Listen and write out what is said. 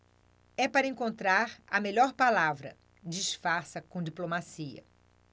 é para encontrar a melhor palavra disfarça com diplomacia